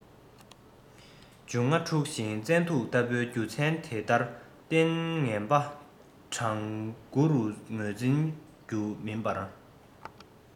འབྱུང ལྔ འཁྲུགས ཤིང བཙན དུག ལྟ བུའི རྒྱུ མཚན དེ འདྲར བརྟེན ངན པ གྲངས དགུ རུ ངོས འཛིན རྒྱུ མིན པར